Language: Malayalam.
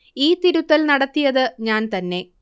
ഈ തിരുത്തൽ നടത്തിയത് ഞാൻ തന്നെ